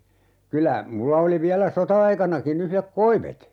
kyllä minulla oli vielä sota-aikanakin yhdet koivet